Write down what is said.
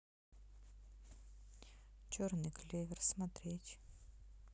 черный клевер смотреть